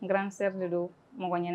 N garanransɛri de don mɔgɔ ɲɛnɛ